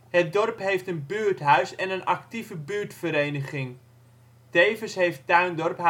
Het dorp heeft een buurthuis en een actieve buurtvereniging. Tevens heeft Tuindorp